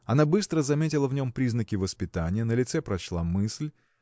Она быстро заметила в нем признаки воспитания, на лице прочла мысль